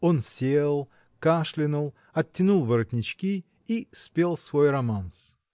Он сел, кашлянул, оттянул воротнички и спел свой романс.